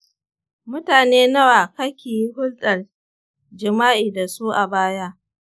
mutane nawa kaki yi hulɗar jima’i da su a baya?